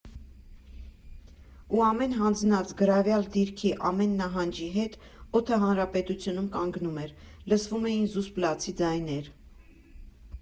Ու ամեն հանձնած, գրավյալ դիրքի, ամեն նահանջի հետ օդը հանրապետությունում կանգնում էր, լսվում էին զուսպ լացի ձայներ։